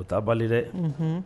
O t'a bali dɛ, unhun.